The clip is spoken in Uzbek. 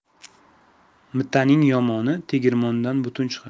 mitaning yomoni tegirmondan butun chiqar